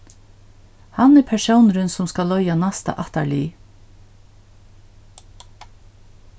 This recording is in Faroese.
hann er persónurin sum skal leiða næsta ættarlið